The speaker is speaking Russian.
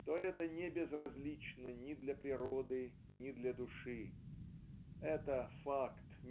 то это не безразлично ни для природы ни для души это факт